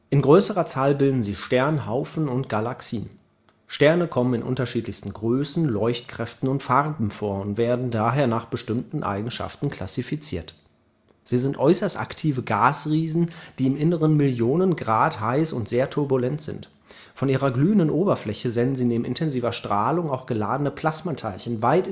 In größerer Zahl bilden sie Sternhaufen und Galaxien. Sterne kommen in unterschiedlichsten Größen, Leuchtkräften und Farben vor und werden daher nach bestimmten Eigenschaften klassifiziert. Sie sind äußerst aktive Gasriesen, die im Innern Millionen Grad heiß und sehr turbulent sind. Von ihrer glühenden Oberfläche senden sie neben intensiver Strahlung auch geladene Plasmateilchen weit